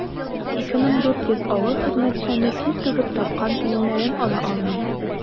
2400 авыл хезмәтчәне тир түгеп тапкан тиеннәрен ала алмый.